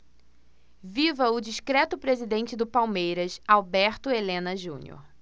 viva o discreto presidente do palmeiras alberto helena junior